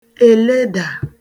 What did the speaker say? èledà